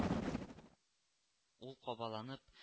Ул кабаланып